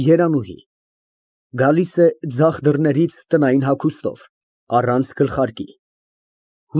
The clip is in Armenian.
ԵՐԱՆՈՒՀԻ ֊ (Գալիս է ձախ դռներից տնային հագուստով, առանց գլխարկի։